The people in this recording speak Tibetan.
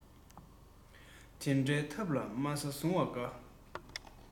སྟོང པ ཁ ཡིས ཁེངས པའི དོན རྩ བཟུང